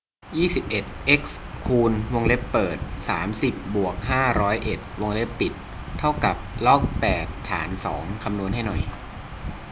ยี่สิบเอ็ดเอ็กซ์คูณวงเล็บเปิดสามสิบบวกห้าร้อยเอ็ดวงเล็บปิดเท่ากับล็อกแปดฐานสองคำนวณให้หน่อย